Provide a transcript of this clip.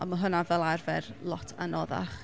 Ond ma' hwnna fel arfer lot anoddach.